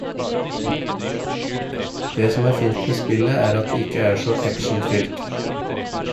Det som er fint med spillet, er at det ikke er så actionfylt.